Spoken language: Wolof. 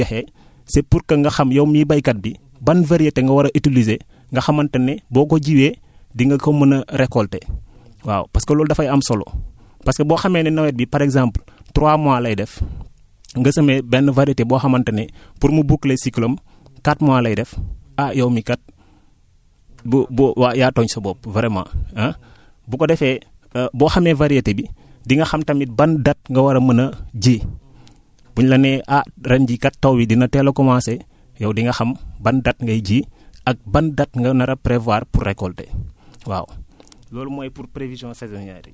loolu nag bu ko bu ko bu ko météo joxee c' est pour que nga xam yow miy baykat bi ban variété nga war a utiliser nga xamante ne boo jiwee di nga ko mën a récolter waaw parce loolu dafay am solo parce que boo xamee ne nawet bi par exemple trois mois lay def nga semer benn variété boo xamante ne pour mu boucler cycle am quatre mois lay def ah yow mii kat boo boo waa yaa tooñ sa bopp vraiment ah bu ko defee boo xamee variété bi di nga xam tamit ban date nga war a mën a ji bu ñu la nee ah ren jii kat taw yi dina teel a commencer yow di nga xam ban date ngay ji ak ban date nga nar a prévoir pour récolter waaw